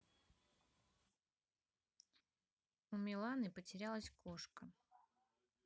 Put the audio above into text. у миланы потерялась кошка